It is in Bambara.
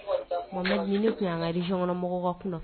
Mohamɛd, nin de tun y'an ka région kɔnɔ mɔgɔw ka kunnafoni